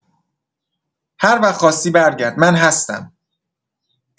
هر وقت خواستی برگرد من هستم